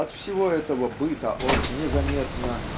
ото всего этого быта он незаметно